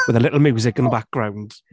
With a little music in the background.